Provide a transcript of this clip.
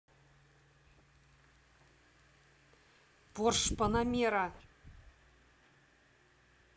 porsche panamera